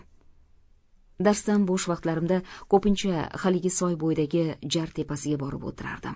darsdan bo'sh vaqtlarimda ko'pincha haligi soy bo'yidagi jar tepasiga borib o'tirardim